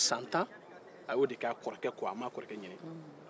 a ye san tan de kɛ a kɔrɔkɛ kɔ a m'a ɲininka